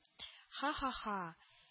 — ха-ха-ха